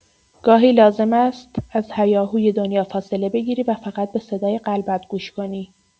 گاهی لازم است از هیاهوی دنیا فاصله بگیری و فقط به صدای قلبت گوش کنی.